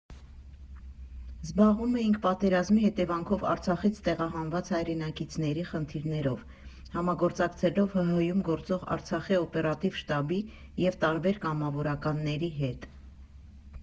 Զբաղվում էինք պատերազմի հետևանքով Արցախից տեղահանված հայրենակիցների խնդիրներով՝ համագործակցելով ՀՀ֊ում գործող Արցախի օպերատիվ շտաբի և տարբեր կամավորականների հետ։